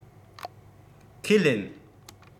ཁས ལེན